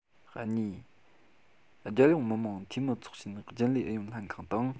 གཉིས རྒྱལ ཡོངས མི དམངས འཐུས མི ཚོགས ཆེན རྒྱུན ལས ཨུ ཡོན ལྷན ཁང དང